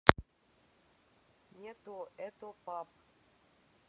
не то это пап